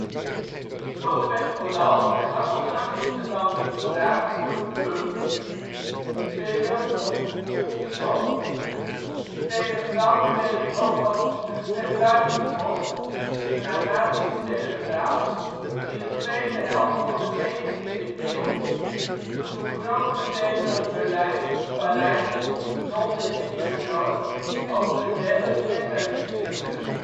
werd vooral in de Angelsaksiche landen gebruikt voor de punt (period of full stop). Telegrammen werden ook wel verstuurd per buizenpost (pneumatische telegraaf) in de tweede helft van de 19e eeuw toen grote steden als Berlijn, Parijs, Londen en New York over een dergelijk netwerk beschikten